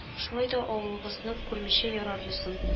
Шулай да авылыгызны күрмичә ярармы соң